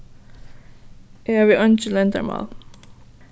eg havi eingi loyndarmál